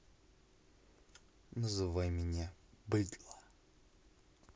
называй меня быдло